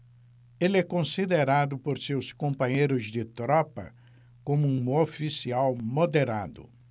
ele é considerado por seus companheiros de tropa como um oficial moderado